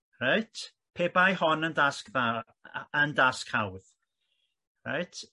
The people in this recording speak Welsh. Reit pe bai hon yn dasg faw- yn dasg hawdd reit.